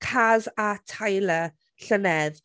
Kaz a Tyler, llynedd.